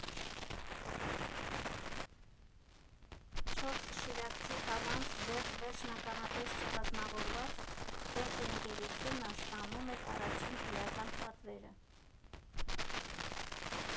Չորս շիրակցի կանանց դեռ վերջնականապես չկազմավորված ՏՏ ընկերությունը ստանում էր առաջին իրական պատվերը։